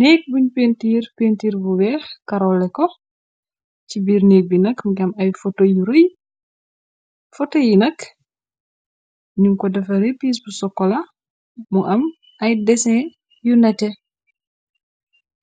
Nekk buñ pentiir pentiir bu weex karole ko ci biir nekk bi nakk giam ay foto yi nak num ko dafa repiis bu sokola mu am ay dese yu nate